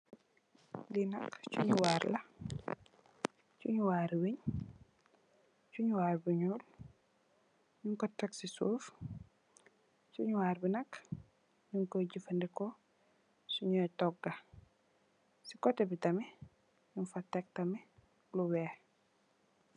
Li nak sxunwarr la sxunwarri weng sxunwarr bu nuul ñyun ko tek si suuf sxunwarr bi nak nyun koi jefendeko sonyui toga si kote bi tamit nyun fa tek tamit lu weex.